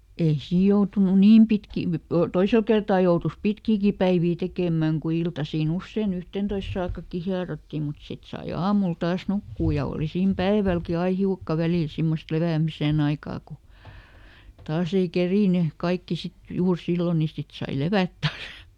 ei siinä joutunut niin pitkiä toisella kertaa joutui pitkiäkin päiviä tekemään kun iltaisin usein yhteentoista saakkakin hierottiin mutta sitten sai aamulla taas nukkua ja oli siinä päivälläkin aina hiukka välillä semmoista lepäämisen aikaa kun taas ei kerinnyt kaikki sitten juuri silloin niin sitten sai levätä taas